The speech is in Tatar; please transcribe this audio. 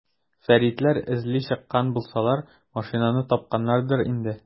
Фәритләр эзли чыккан булсалар, машинаны тапканнардыр инде.